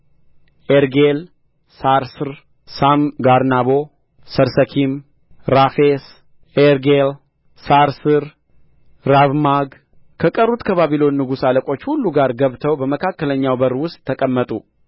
ኤርጌል ሳራስር ሳምጋርናቦ ሠርሰኪም ራፌስ ኤርጌል ሳራስር ራብማግ ከቀሩት ከባቢሎን ንጉሥ አለቆች ሁሉ ጋር ገብተው በመካከለኛው በር ውስጥ ተቀመጡ